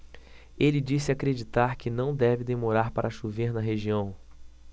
ele disse acreditar que não deve demorar para chover na região